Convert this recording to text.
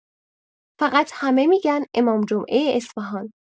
فقط همه می‌گن امام‌جمعه اصفهان.